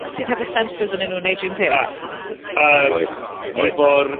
sydd hefo sensors ynnyn nw neud 'r un peth? Ah!